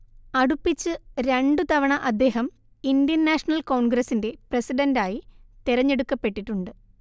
അടുപ്പിച്ച് രണ്ടു തവണ അദ്ദേഹം ഇന്ത്യൻ നാഷണൽ കോൺഗ്രസിന്റെ പ്രസിഡന്റായി തെരഞ്ഞെടുക്കപ്പെട്ടിട്ടുണ്ട്